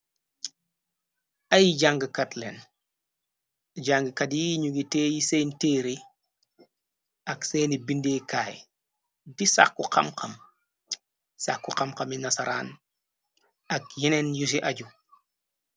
ay jàng katleen jang kat yi ñu gi tee yi seen teeri ak seeni bindeekaay di a saxku xam-saxku xami na saraan ak yeneen yusi aju.